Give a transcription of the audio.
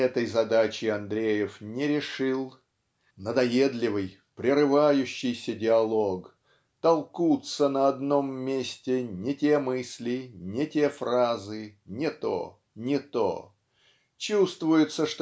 Этой задачи Андреев не решил. Надоедливый прерывающийся диалог толкутся на одном месте не те мысли не те фразы не то не то Чувствуется